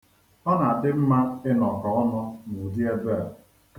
O na-adi mma inoko onu n'udi ebe a.